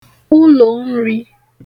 ulonrī